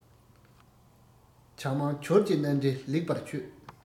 བྱ མང བྱུར གྱི སྣ འདྲེན ལེགས པར ཆོད